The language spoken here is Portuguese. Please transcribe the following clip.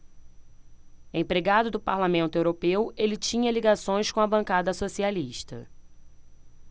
empregado do parlamento europeu ele tinha ligações com a bancada socialista